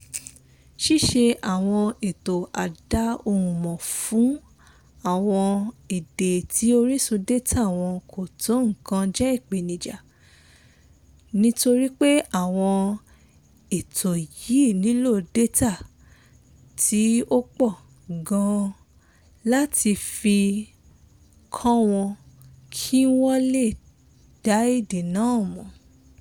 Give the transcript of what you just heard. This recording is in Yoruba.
Ṣíṣe àwọn ètò a dá-ohùn-mọ̀ fún àwọn èdè tí orísun dátà wọn kò tó nǹkan jẹ́ ìpèníjà, nítorí pé àwọn ètò yìí nílò dátà tí ó pọ̀ gan-an láti fi "kọ́" wọn kí wọ́n le dá èdè náà mọ̀.